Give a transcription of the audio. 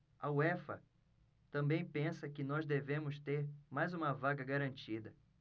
a uefa também pensa que nós devemos ter mais uma vaga garantida